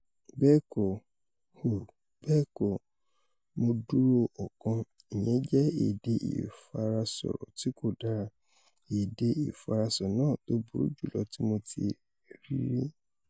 Bẹ́ẹ̀kọ́, uh bẹ́ẹ̀kọ́, Mo dúró ọ̀kan - ìyẹn jẹ́ èdè ìfarasọ̀rọ̀ tí kò dára - èdè ìfarasọ̀rọ̀ náà tó burú jùlọ tí Mo tí ì rírí.''